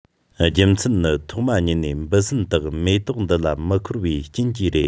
རྒྱུ མཚན ནི ཐོག མ ཉིད ནས འབུ སྲིན དག མེ ཏོག འདི ལ མི འཁོར བའི རྐྱེན གྱིས རེད